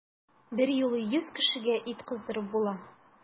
Берьюлы йөз кешегә ит кыздырып була!